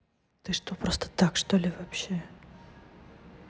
ты что просто так что ли вообще